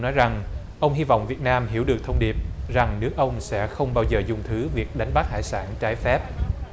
nói rằng ông hy vọng việt nam hiểu được thông điệp rằng nước ông sẽ không bao giờ dung thứ việc đánh bắt hải sản trái phép